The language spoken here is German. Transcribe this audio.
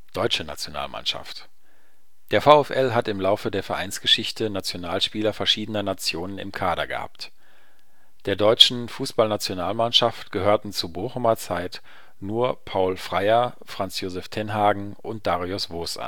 Deutsche Nationalmannschaft Der VfL hat im Laufe der Vereinsgeschichte Nationalspieler verschiedener Nationen im Kader gehabt. Der deutschen Fußballnationalmannschaft gehörten zu Bochumer Zeit nur Paul Freier, Franz-Josef Tenhagen und Dariusz Wosz